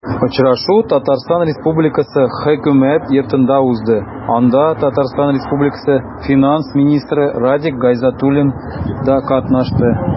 Очрашу Татарстан Республикасы Хөкүмәт Йортында узды, анда ТР финанс министры Радик Гайзатуллин да катнашты.